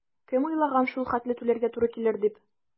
Кем уйлаган шул хәтле түләргә туры килер дип?